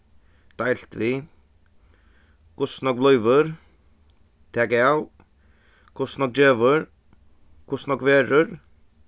deilt við hvussu nógv blívur taka av hvussu nógv gevur hvussu nógv verður